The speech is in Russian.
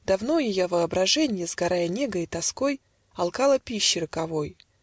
Давно ее воображенье, Сгорая негой и тоской, Алкало пищи роковой